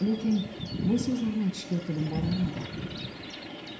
lekin bu so'zlarni aytishga tilim borarmidi